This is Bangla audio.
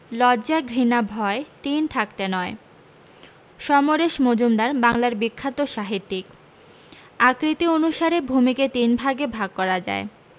লজ্জা ঘৃণা ভয় তিন থাকতে নয় সমরেশ মজুমদার বাংলার বিখ্যাত সাহিত্যিক আকৃতি অনুসারে ভুমি কে তিন ভাগে ভাগ করা যায়